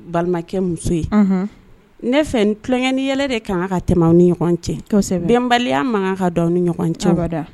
Balimakɛ muso ye. Unhun . Ne fɛ kulonkɛ i yɛlɛ de ka na na tɛmɛ aw ni ɲɔgɔn cɛ kɔsɛbɛ Bɛnbaliya ma kan ka don aw ni ɲɔgɔn cɛ. Abada